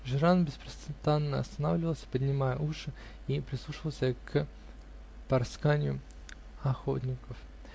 Жиран беспрестанно останавливался, поднимая уши, и прислушивался к порсканью охотников.